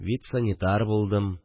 Витсанитар булдым